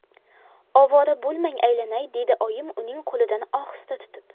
ovora bo'lmang aylanay dedi oyim uning qo'lidan ohista tutib